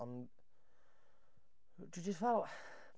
Ond dwi jyst fel .